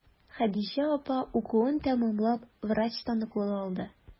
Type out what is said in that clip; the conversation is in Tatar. Хәдичә апа укуын тәмамлап, врач таныклыгы алды.